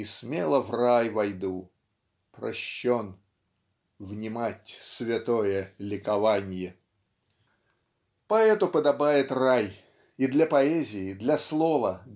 И смело в рай войду, прощен, Внимать святое ликованье. Поэту подобает рай. И для поэзии для слова